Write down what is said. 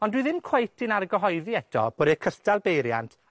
Ond dyw e ddim cweit 'di'n argyhoeddi eto bod e cystal beiriant